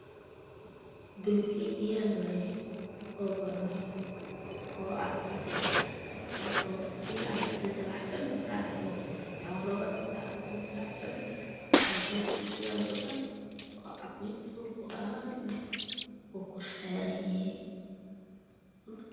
Pulkeetiyal wayee oo padan uu cad cad eh oo dhinacna ka dildilacsan waa pulkeetiyal padan cad midna dhulkuu yalaa midan wuu kor saran yahe